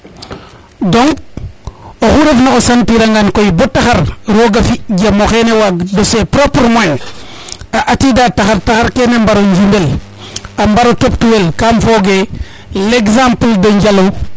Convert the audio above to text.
donc oxu ref na o sentir angan koy bo taxar roga fi jam o xene waag de ses propre moyens a atida taxar taxar kene mbaro njimel a mbaro toptu wel kam foge l' exemple de Njalo